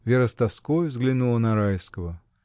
Вера с тоской взглянула на Райского.